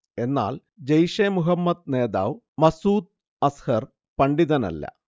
എന്നാൽ ജയ്ഷെ മുഹമ്മദ് നേതാവ് മസ്ഊദ് അസ്ഹർ പണ്ഡിതനല്ല